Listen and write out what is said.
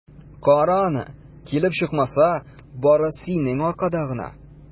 Кара аны, килеп чыкмаса, бары синең аркада гына!